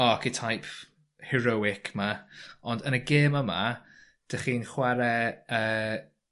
archetype heroic 'ma ond yn y gêm yma dych chi'n chware yy